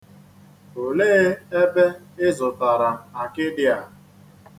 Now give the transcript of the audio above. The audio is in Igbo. Olee ebe ị zụtara akịdị a?